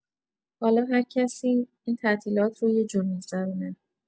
حالا هر کسی این تعطیلات رو یه جور می‌گذرونه.